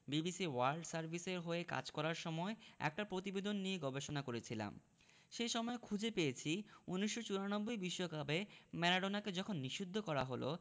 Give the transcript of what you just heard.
BBC world সার্ভিসের হয়ে কাজ করার সময় একটা প্রতিবেদন নিয়ে গবেষণা করছিলাম সে সময় খুঁজে পেয়েছি ১৯৯৪ বিশ্বকাপে ম্যারাডোনাকে যখন নিষিদ্ধ করা হলো